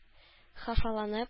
Хафаланып